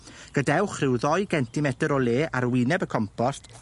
Gadewch rhyw ddou gentimetyr o le ar wyneb y compost